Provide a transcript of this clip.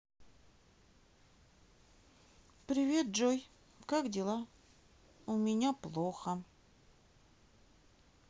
привет джой как дела у меня плохо